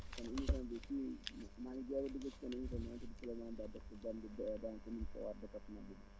seen émission bi kii maa ngi door a dugg seen émission bi maa ngi tudd Souleymane Ba dëgg * dans la commune de Kouwar département Goudiri